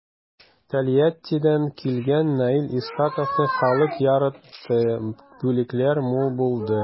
Тольяттидан килгән Наил Исхаковны халык яратты, бүләкләр мул булды.